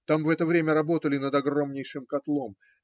Там в это время работали над огромнейшим котлом.